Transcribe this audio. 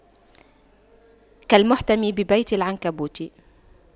كالمحتمي ببيت العنكبوت